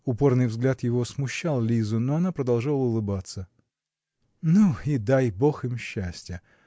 Упорный взгляд его смущал Лизу, но она продолжала улыбаться. -- Ну, и дай бог им счастья!